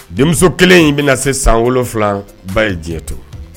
Denmuso kelen in bɛna se sanfila ba ye diɲɛ to